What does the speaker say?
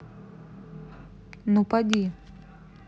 ну поди